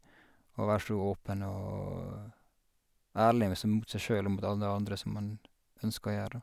Å være så åpen og ærlig, med som mot seg sjøl og mot alle andre som man ønsker å gjøre, da.